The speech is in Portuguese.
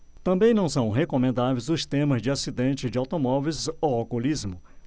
também não são recomendáveis os temas de acidentes de automóveis ou alcoolismo